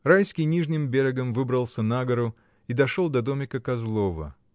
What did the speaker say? Райский нижним берегом выбрался на гору и дошел до домика Козлова.